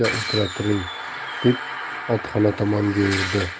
o'tira turing deb otxona tomonga yurdi